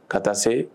Ka taa se